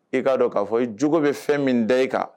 I k'a dɔn k'a fɔ i jo bɛ fɛn min da i kan